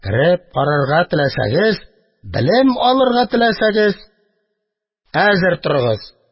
Кереп карарга теләсәгез, белем алырга теләсәгез, әзер торыгыз...